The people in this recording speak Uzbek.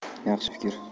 yaxshi fikr